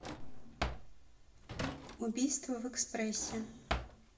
убийство в экспрессе